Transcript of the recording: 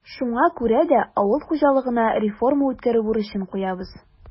Шуңа күрә дә авыл хуҗалыгына реформа үткәрү бурычын куябыз.